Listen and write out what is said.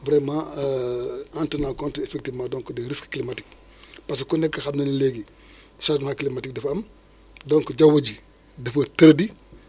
si at yi da ngay jékki jékki gis at bii mu taw taw bu bëre beneen at gi mu jékki-jékki jékki-jékki du taw